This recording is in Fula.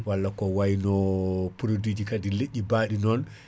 walla ko wayno produit ji kaadi leƴƴi baɗi non